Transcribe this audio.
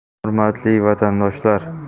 hurmatli vatandoshlar